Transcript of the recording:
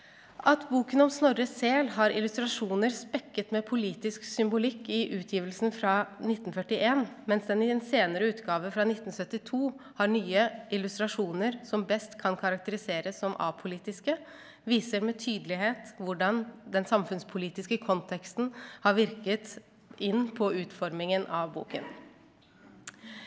at boken om Snorre sel har illustrasjoner spekket med politisk symbolikk i utgivelsen fra 1941 mens den i en senere utgave fra 1972 har nye illustrasjoner som best kan karakteriseres som apolitiske viser med tydelighet hvordan den samfunnspolitiske konteksten har virket inn på utformingen av boken.